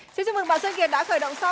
xin chúc mừng bạn xuân kiệt đã khởi động xong